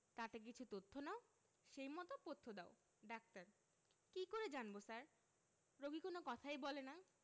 তাতে কিছু তথ্য নাও সেই মত পথ্য দাও ডাক্তার কি করে জানব স্যার রোগী কোন কথাই বলে না